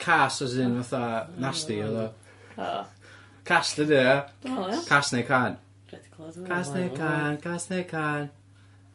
cas as in fatha nasty o'dd o. O. Cas yndyfe? O ia? Cas neu cân. Dwi 'rieod 'di clwad ... Cas neu cân cas neu cân.